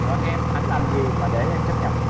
rồi em ánh làm gì mà để em chấp nhận